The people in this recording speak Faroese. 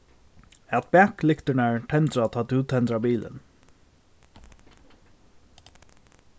at baklyktirnar tendra tá tú tendrar bilin